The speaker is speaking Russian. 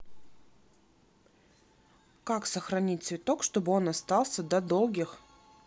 как сохранить цветок чтобы он остался до долгих